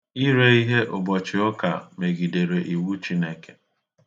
Ire ihe ụbọchị ụka megidere iwu Chineke.